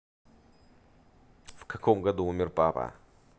в каком году умер папа